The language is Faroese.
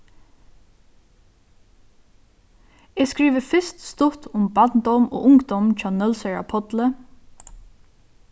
eg skrivi fyrst stutt um barndóm og ungdóm hjá nólsoyar pálli